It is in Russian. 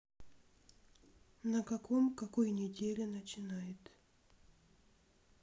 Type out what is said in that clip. на каком какой неделе начинает